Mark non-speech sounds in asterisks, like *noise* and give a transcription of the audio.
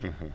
*hesitation* *hesitation*